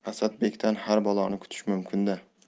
asadbekdan har baloni kutish mumkin da